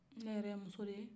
ne yɛrɛ ye muso de ye